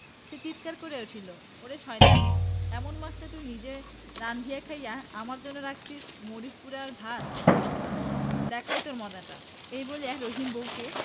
সে চিৎকার করিয়া উঠিল ওরে শয়তানী এমন মাছটা তুই নিজে ব্রাধিয়া খাইয়া আমার জন্য রাখিয়াছিস্ মরিচ পােড়া আর ভাত দেখাই তোর মজাটা এই বলিয়া রহিম বউকে